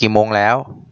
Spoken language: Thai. กี่โมงแล้ว